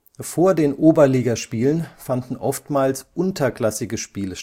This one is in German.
Vor den Oberligaspielen fanden oftmals unterklassige Spiele